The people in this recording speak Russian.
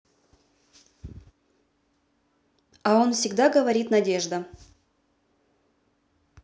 а он всегда говорит надежда